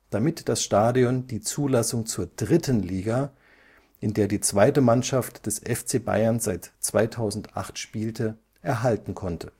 damit das Stadion die Zulassung zur 3. Liga, in der die zweite Mannschaft des FC Bayern seit 2008 spielte, erhalten konnte